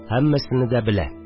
Һәммәсене дә белә